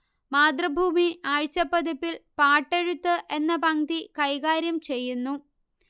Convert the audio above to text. മാതൃഭൂമി ആഴ്ചപ്പതിപ്പിൽ പാട്ടെഴുത്ത് എന്ന പംക്തി കൈകാര്യം ചെയ്യുന്നു